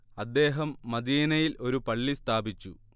അദ്ദേഹം മദീനയിൽ ഒരു പള്ളി സ്ഥാപിച്ചു